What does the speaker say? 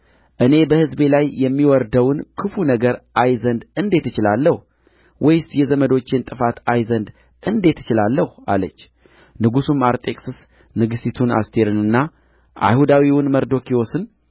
እኔ በሕዝቤ ላይ የሚወርደውን ክፉ ነገር አይ ዘንድ እንዴት እችላለሁ ወይስ የዘመዶቼን ጥፋት አይ ዘንድ እንዴት እችላለሁ አለች ንጉሡም አርጤክስስ ንግሥቲቱን አስቴርንና አይሁዳዊውን መርዶክዮስን